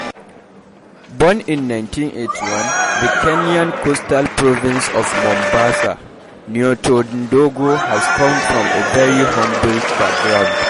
Born in 1981 in the Kenyan Coastal province of Mombasa, Nyota Ndogo has come from a very humble background.